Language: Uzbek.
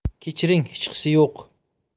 kechiring hechqisi yo'q